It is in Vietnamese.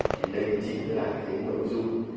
thì đây chính là cái nội dung